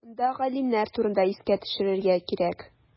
Монда галимнәр турында искә төшерергә кирәк.